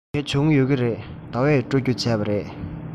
དེ བྱུང ཡོད ཀྱི རེད ཟླ བས སྤྲོད རྒྱུ བྱས པ རེད